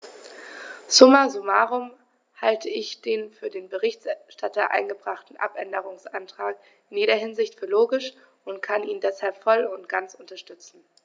Summa summarum halte ich den von dem Berichterstatter eingebrachten Abänderungsantrag in jeder Hinsicht für logisch und kann ihn deshalb voll und ganz unterstützen.